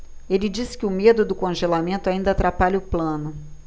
ele disse que o medo do congelamento ainda atrapalha o plano